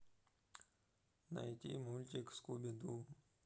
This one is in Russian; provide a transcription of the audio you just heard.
найти мультик скуби ду